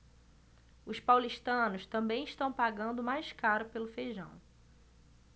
os paulistanos também estão pagando mais caro pelo feijão